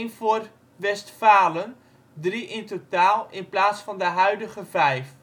voor Westfalen (drie in totaal, in plaats van de huidige vijf